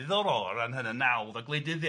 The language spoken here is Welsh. Diddorol o ran hynna, nawdd o gwleidyddiaeth.